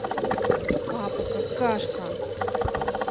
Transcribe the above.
папа какашка